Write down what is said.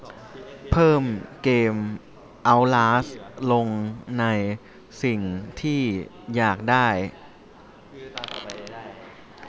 เพิ่มเกมเอ้าลาสลงในสิ่งที่อยากได้